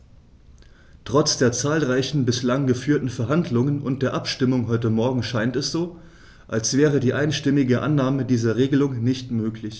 Trotz der zahlreichen bislang geführten Verhandlungen und der Abstimmung heute Morgen scheint es so, als wäre die einstimmige Annahme dieser Regelung nicht möglich.